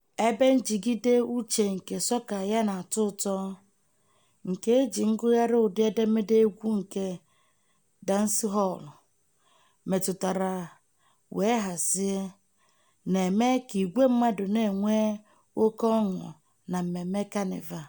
Ebe njigide uche nke sọka ya na-atọ ụtọ, nke e ji ngụgharị ụdị edemede egwu nke dansịhọọlụ metụtara wee hazie, na-eme ka igwe mmadụ na-enwe oké ọṅụ na mmemme Kanịva.